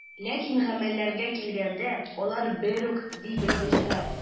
Ләкин гамәлләргә килгәндә, алар бер үк, ди белгечләр.